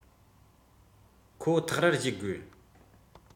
ཐོན ངེས ཡིན ཁོ ཐག རེད